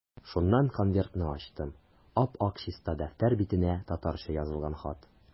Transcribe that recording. Шуннан конвертны ачтым, ап-ак чиста дәфтәр битенә татарча язылган хат.